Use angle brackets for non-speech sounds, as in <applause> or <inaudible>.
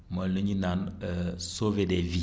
mooy lu ñuy naan <hesitation> sauver des vies